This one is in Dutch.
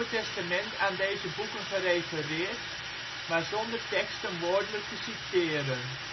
Testament aan deze boeken gerefereerd, maar zonder teksten woordelijk te citeren